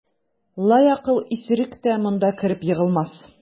Лаякыл исерек тә монда кереп егылмас.